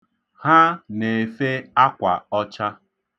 Ha na-efe akwa ọcha.